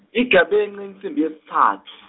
igabence insimbi yesitsatfu.